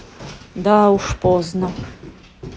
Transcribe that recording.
да уже поздно